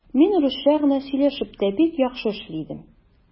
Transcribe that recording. Мин русча гына сөйләшеп тә бик яхшы эшли идем.